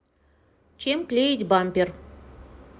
чем клеить бампер